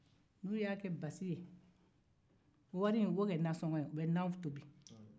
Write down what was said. u bɛ wari kɛ nasɔngɔ ye